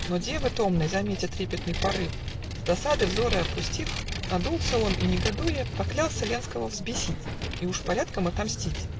Но девы томной Заметя трепетный порыв, С досады взоры опустив, Надулся он и, негодуя, Поклялся Ленского взбесить И уж порядком отомстить.